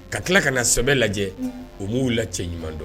Ka tila ka na sɛbɛ lajɛ u b'u la cɛ ɲuman don